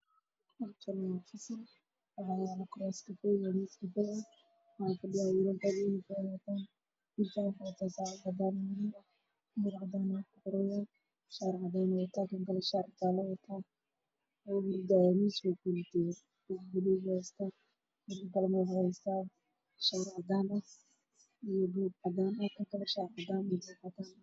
Halkaan waxaa ka muuqdo arday imtixaan ku jirta waxayna qabaan shaati cadaan iyo shaati jaalo ah mid kamid ah ardyda waxa uu qabaa saacad cadaan ah